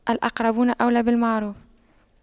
الأقربون أولى بالمعروف